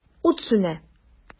Ут сүнә.